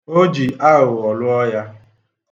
O ji aghụgho lụọ ya.